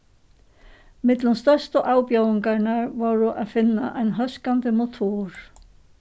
millum størstu avbjóðingarnar vóru at finna ein hóskandi motor